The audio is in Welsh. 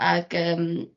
ag yym